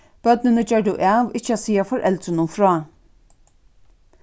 børnini gjørdu av ikki at siga foreldrunum frá